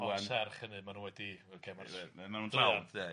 Serch hynny ma' n'w wedi ocê... ma' nw'n dlawd 'de, ia?